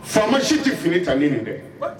Faama si tɛ fini ta lni nin tɛ!